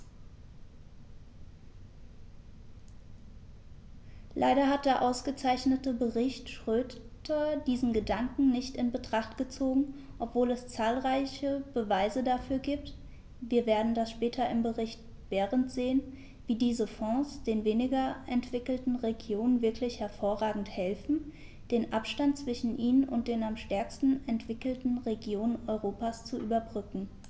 Leider hat der ausgezeichnete Bericht Schroedter diesen Gedanken nicht in Betracht gezogen, obwohl es zahlreiche Beweise dafür gibt - wir werden das später im Bericht Berend sehen -, wie diese Fonds den weniger entwickelten Regionen wirklich hervorragend helfen, den Abstand zwischen ihnen und den am stärksten entwickelten Regionen Europas zu überbrücken.